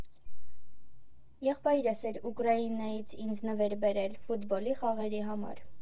Եղբայրս էր Ուկրաինայից ինձ նվեր բերել՝ ֆուտբոլի խաղերի համար.